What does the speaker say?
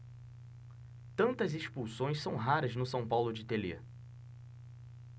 tantas expulsões são raras no são paulo de telê